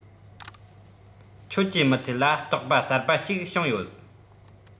ཁྱོད ཀྱིས མི ཚེ ལ རྟོག པ གསར པ ཞིག བྱུང ཡོད